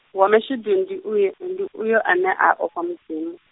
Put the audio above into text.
wa mashudu ndi uy-, ndi uyo ane a ofha Mudzimu.